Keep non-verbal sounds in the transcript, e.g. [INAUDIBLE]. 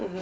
[HESITATION] [HESITATION]